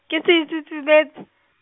ke se e susumetse .